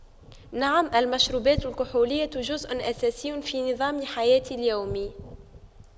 نعم المشروبات الكحولية جزء أساسي في نظام حياتي اليومي